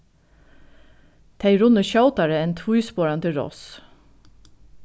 tey runnu skjótari enn tvísporandi ross